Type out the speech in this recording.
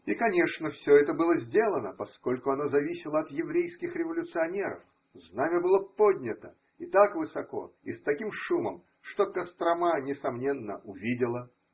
И. конечно, все это было сделано, поскольку оно зависело от еврейских революционеров: знамя было поднято, и так высоко, и с таким шумом, что Кострома, несомненно, увидела.